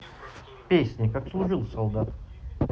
песня как служил солдат